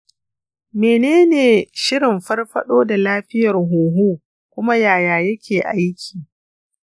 mene ne shirin farfaɗo da lafiyar huhu kuma yaya yake aiki?